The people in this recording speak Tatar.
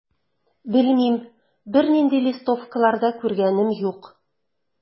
Белмим, бернинди листовкалар да күргәнем юк.